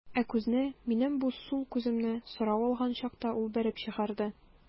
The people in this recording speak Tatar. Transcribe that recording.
Ә күзне, минем бу сул күземне, сорау алган чакта ул бәреп чыгарды.